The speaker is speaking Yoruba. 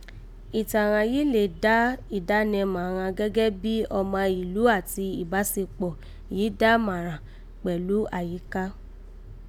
Ìtàn ghàn yìí lè dà ìdánẹmà ghan gẹ́gẹ́ bí ọma ìlú àti ìbásekpọ̀ yìí dán márán kpẹ̀lú àyíká